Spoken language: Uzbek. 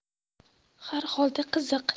harholda qiziq